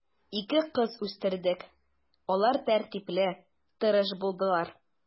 Ике кыз үстердек, алар тәртипле, тырыш булдылар.